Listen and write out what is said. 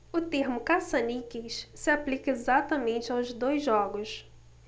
o termo caça-níqueis se aplica exatamente aos dois jogos